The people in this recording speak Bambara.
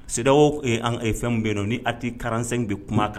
Sira fɛn bɛ yen don ni ati karansɛ bɛ kuma kan